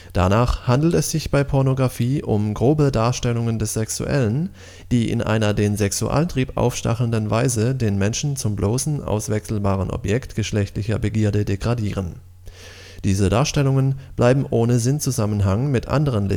Danach handelt es sich bei Pornografie um „ grobe Darstellungen des Sexuellen, die in einer den Sexualtrieb aufstachelnden Weise den Menschen zum bloßen, auswechselbaren Objekt geschlechtlicher Begierde degradieren. Diese Darstellungen bleiben ohne Sinnzusammenhang mit anderen